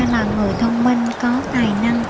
là người thông minh có tài năng